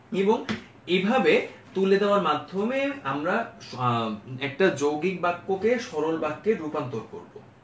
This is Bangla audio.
এবং এভাবে তুলে দেয়ার মাধ্যমে আমরা একটা যৌগিক বাক্য কে সরল বাক্যে রূপান্তর করব